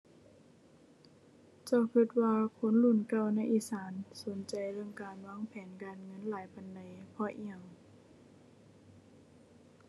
เจ้าคิดว่าคนรุ่นเก่าในอีสานสนใจเรื่องการวางแผนการเงินหลายปานใด เพราะอิหยัง